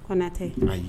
Konatɛ